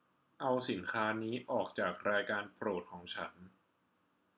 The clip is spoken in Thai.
เอาสินค้านี้ออกไปจากรายการโปรดของฉัน